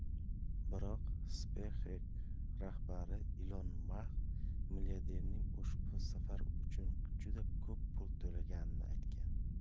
biroq spacex rahbari ilon mask milliarderning ushbu safar uchun juda ko'p pul to'laganini aytgan